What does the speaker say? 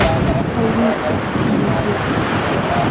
алиса купи язык